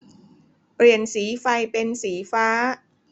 เปลี่ยนสีไฟเป็นสีฟ้า